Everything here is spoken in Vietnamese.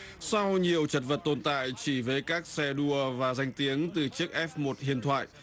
sau nhiều chật vật tồn tại chỉ với các xe đua và danh tiếng từ chiếc ép một huyền thoại